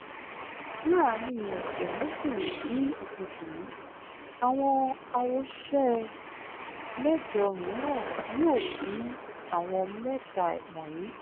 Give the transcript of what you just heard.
Láàárín ọ̀sẹ̀ méjì sí ìsinyìí àwọn àwòṣe mẹ́jọ mìíràn yóò kún àwọn mẹ́ta wọ̀nyìí.